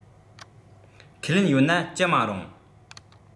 ཁས ལེན ཡོད ན ཅི མ རུང